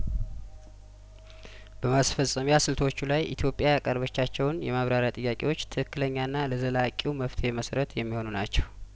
በማስፈጸሚያ ስልቶቹ ላይ ኢትዮጵያ ያቀረበቻቸውን የማብሪሪያ ጥያቄዎች ትክክለኛና ለዘላቂው መፍትሄ መሰረት የሚሆኑ ናቸው